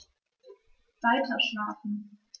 Weiterschlafen.